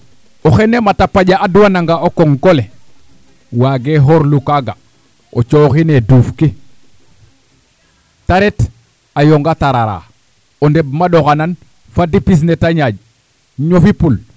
o xene mat a paƴa adwananga o koŋko le waagee xorlu kaaga o cooxin ee duufki ta ret a yonga tarara o ndeɓum a ɗoxaa nan fadi pis ne te ñaaƴ ñofi pul